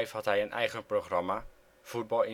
had hij een eigen programma, Voetbal